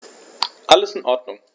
Alles in Ordnung.